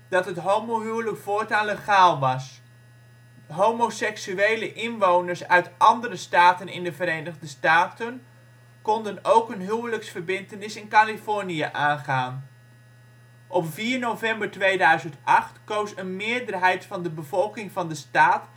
dat het homohuwelijk voortaan legaal was. Homoseksuele inwoners uit andere staten in de Verenigde Staten konden ook een huwelijksverbintenis in Californië aangaan. Op 4 november 2008 koos een meerderheid van de bevolking van de staat